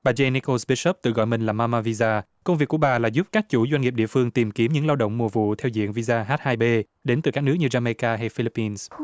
bà giê ni cô pây xốp tự gọi mình là ma ma vi da công việc của bà là giúp các chủ doanh nghiệp địa phương tìm kiếm những lao động mùa vụ theo diện vi da hát hai bê đến từ các nước như da mây ca hay phi líp pin